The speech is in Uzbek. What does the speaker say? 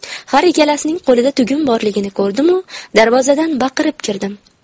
har ikkalasining qo'lida tugun borligini ko'rdimu darvozadan baqirib kirdim